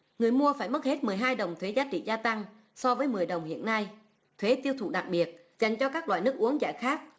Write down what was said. người mua phải mất hết mười hai đồng thuế giá trị gia tăng so với mười đồng hiện nay thuế tiêu thụ đặc biệt dành cho các loại nước uống giải khát